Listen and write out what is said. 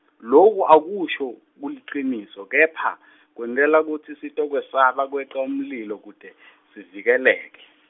loku akusho, kutsi kuliciniso, kepha , kwentelwa kutsi sitokwesaba kweca umlilo kute , sivikeleke.